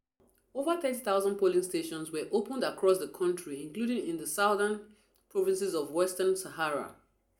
Over 30,000 polling stations were opened across the country including in the southern provinces of Western Sahara.